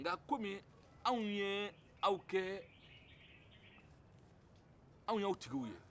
nka commi anw y'aw kɛ anw y'aw tigiw ye